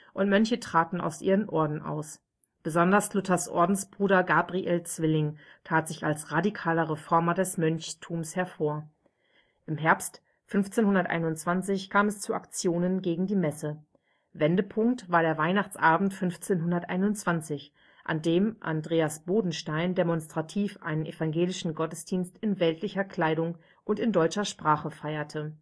und Mönche traten aus ihren Orden aus. Besonders Luthers Ordensbruder Gabriel Zwilling tat sich als radikaler Reformer des Mönchtums hervor. Im Herbst 1521 kam es zu Aktionen gegen die Messe. Wendepunkt war der Weihnachtsabend 1521, an dem Andreas Bodenstein demonstrativ einen evangelischen Gottesdienst in weltlicher Kleidung und in deutscher Sprache feierte